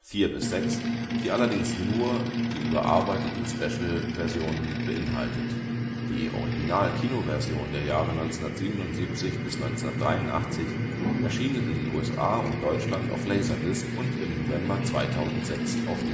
IV bis VI, die allerdings nur die überarbeiteten Spezial-Versionen beinhaltet. Die Original-Kino-Versionen der Jahre 1977 bis 1983 erschienen in den USA und Deutschland auf Laserdisc, und im November 2006 auf DVD. Auf